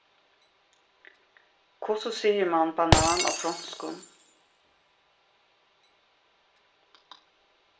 hvussu sigur mann banan á fronskum